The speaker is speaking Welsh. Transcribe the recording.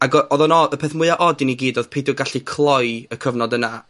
ag o- odd o'n od. Y peth mwya od i ni gyd odd peidio gallu cloi y cyfnod yna,